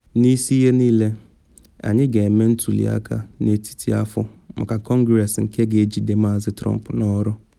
N’isi ihe niile, anyị ga-eme ntuli aka n’etiti afọ maka Kọngress nke ga-ejide Maazị Trump n’ọrụ?